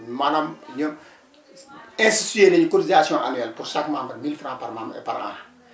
maanaam ñëpp institué nañu cotisation annuelle pour chaque membre 1000F par membre et par an